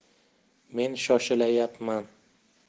men shoshilayapman